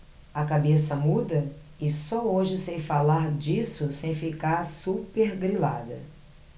a cabeça muda e só hoje sei falar disso sem ficar supergrilada